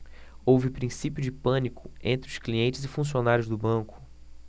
houve princípio de pânico entre os clientes e funcionários do banco